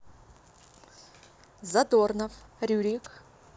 задорнов рюрик